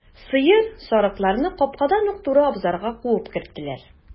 Сыер, сарыкларны капкадан ук туры абзарга куып керттеләр.